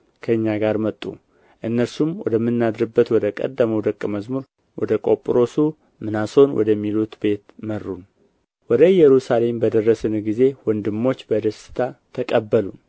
ከእኛ ጋር መጡ እነርሱም ወደምናድርበት ወደ ቀደመው ደቀ መዝሙር ወደ ቆጵሮሱ ምናሶን ወደሚሉት ቤት መሩን ወደ ኢየሩሳሌም በደረስን ጊዜ ወንድሞች በደስታ ተቀበሉን